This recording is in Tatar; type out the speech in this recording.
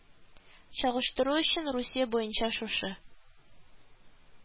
Чагыштыру өчен, Русия буенча шушы